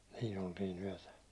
siinä oltiin yötä